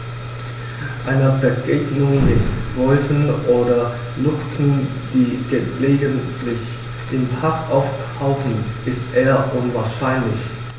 Eine Begegnung mit Wölfen oder Luchsen, die gelegentlich im Park auftauchen, ist eher unwahrscheinlich.